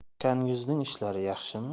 akangizning ishlari yaxshimi